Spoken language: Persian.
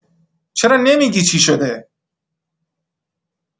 چرا نمی‌گی چی شده؟